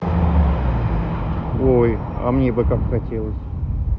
ой а мне бы как хотелось